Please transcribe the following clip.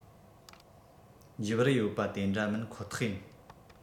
འཇིབ རུ ཡིད པ དེ འདྲ མིན ཁོ ཐག ཡིན